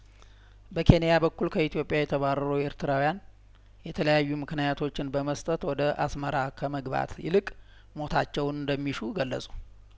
በኬንያ በኩል ከኢትዮጵያ የተባረሩ ኤርትራውያን የተለያዩ ምክንያቶችን በመስጠት ወደ አስመራ ከመግባት ይልቅ ሞታቸውን እንደሚሹ ገለጹ